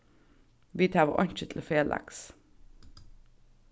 vit hava einki til felags